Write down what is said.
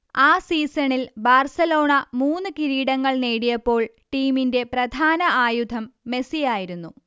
ആ സീസണിൽ ബാർസലോണ മൂന്ന് കിരീടങ്ങൾ നേടിയപ്പോൾ ടീമിന്റെ പ്രധാന ആയുധം മെസ്സി ആയിരുന്നു